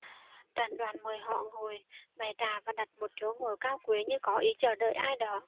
trần đoàn mời họ ngồi bày trà và đặt một chỗ ngồi cao quý như có ý chờ đợi ai đó